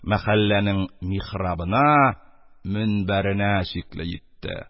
Мәхәлләнең михрабына, мөнбәренә чикле йитте.